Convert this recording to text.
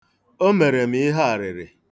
O mere m ihe arịrị.